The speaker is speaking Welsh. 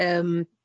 yym